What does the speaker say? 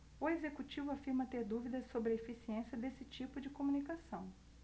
o executivo afirma ter dúvidas sobre a eficiência desse tipo de comunicação